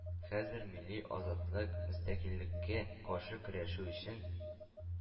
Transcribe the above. Хәзер милли азатлык, мөстәкыйльлеккә каршы көрәшү өчен